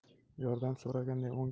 yordam so'raganday o'ng